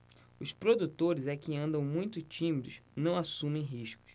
os produtores é que andam muito tímidos não assumem riscos